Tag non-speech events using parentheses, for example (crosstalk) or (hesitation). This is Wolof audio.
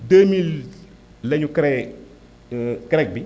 2000 la ñu crée (hesitation) CREC bi